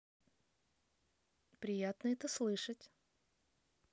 приятно это слышать